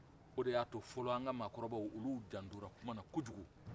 o de y' a fɔlɔ an mɔgɔbaw olu jantora kuman na kojugu